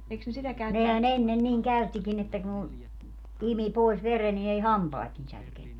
nehän ennen niin käyttikin että kun imi pois veren niin ei hampaat niin särkenyt